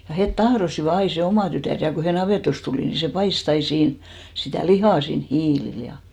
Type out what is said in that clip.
ja he tahtoivat aina se oma tytär ja kun he navetasta tuli niin se paistoi aina siinä sitä lihaa siinä hiilillä ja